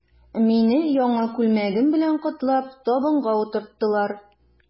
Мине, яңа күлмәгем белән котлап, табынга утырттылар.